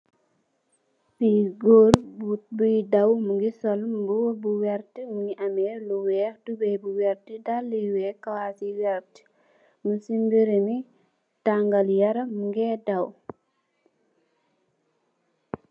Fii goor bi daw, mingi sol mbubu bu werta, mingi ame lu weex, tubey bu werta, dalle yu weex, kawaas yu werta, ming si birmi taangal yaram, minge daw.